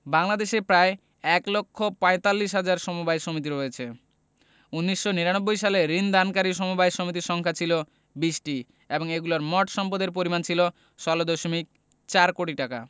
বাংলাদেশে প্রায় এক লক্ষ পয়তাল্লিশ হাজার সমবায় সমিতি রয়েছে ১৯৯৯ সালে ঋণ দানকারী সমবায় সমিতির সংখ্যা ছিল ২০টি এবং এগুলোর মোট সম্পদের পরিমাণ ছিল ১৬দশমিক ৪ কোটি টাকা